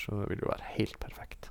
Så det vil jo være heilt perfekt.